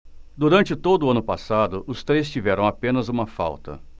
durante todo o ano passado os três tiveram apenas uma falta